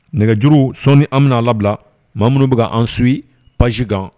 Nɛgɛjuru sɔnni an mina a labila maa minnu bɛ k'an su page kan.